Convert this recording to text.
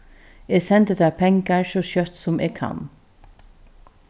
eg sendi tær pengar so skjótt sum eg kann